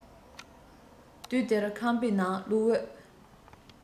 དུས དེར ཁང པའི ནང གློག འོད